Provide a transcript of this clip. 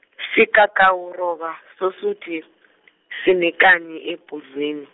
sigagawuroba soSuthu yis-, sinekani ebhudwini.